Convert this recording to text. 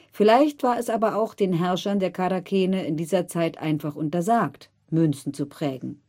Vielleicht war es aber auch den Herrschern der Charakene in dieser Zeit einfach untersagt, Münzen zu prägen